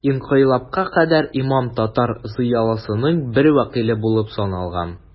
Инкыйлабка кадәр имам татар зыялысының бер вәкиле булып саналган.